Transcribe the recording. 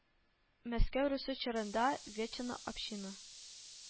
Мәскәү Русе чорында вечены община